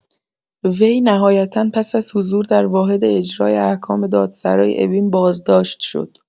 وی نهایتا پس از حضور در واحد اجرای احکام دادسرای اوین بازداشت شد.